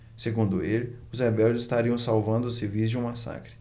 segundo ele os rebeldes estariam salvando os civis de um massacre